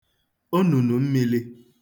onùnù mmīlī